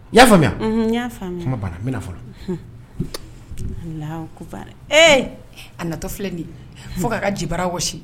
I y'a faamuyaa bannamina fana a natɔ filɛ de fo ka ji wa